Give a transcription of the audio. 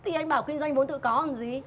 thì anh bảo kinh doanh vốn tự có còn gì